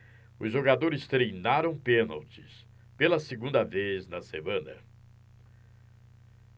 os jogadores treinaram pênaltis pela segunda vez na semana